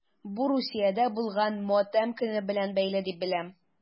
Бу Русиядә булган матәм көне белән бәйле дип беләм...